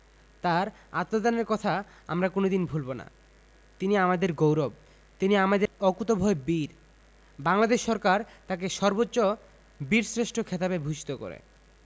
তাঁর আত্মদানের কথা আমরা কোনো দিন ভুলব না তিনি আমাদের গৌরব তিনি আমাদের অকুতোভয় বীর বাংলাদেশ সরকার তাঁকে সর্বোচ্চ বীরশ্রেষ্ঠ খেতাবে ভূষিত করে